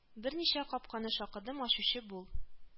Берничә капканы шакыдым ачучы бул